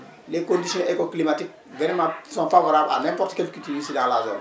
les conditions écoclimatiques vraiment sont favorables à n' importe qulle culture ici dans la zopne